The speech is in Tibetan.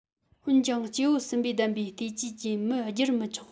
འོན ཀྱང སྐྱེ བོ གསུམ པས བདམས པའི བལྟོས བཅས ཀྱི མི བསྒྱུར མི ཆོག